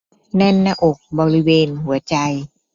แน่นหน้าอกบริเวณหัวใจ